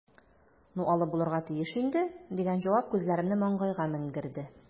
"ну, алып булырга тиеш инде", – дигән җавап күзләремне маңгайга менгерде.